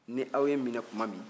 ni aw ye n minɛ tuma min